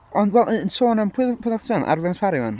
Ond wel, y- y- yn sôn am... P- pwy oeddat ti'n sôn? R. Williams Parry 'ŵan?